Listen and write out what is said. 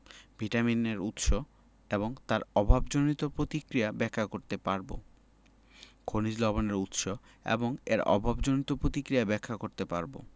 ভিটামিনের উৎস এবং এর অভাবজনিত প্রতিক্রিয়া ব্যাখ্যা করতে পারব খনিজ লবণের উৎস এবং এর অভাবজনিত প্রতিক্রিয়া ব্যাখ্যা করতে পারব